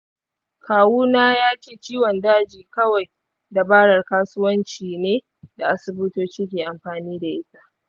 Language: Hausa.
kawuna ya ce ciwon daji kawai dabarar kasuwanci ce da asibitoci ke amfani da ita.